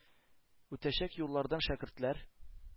Үтәчәк юллардан шәкертләр